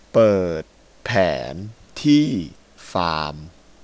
เปิดแผนที่ฟาร์ม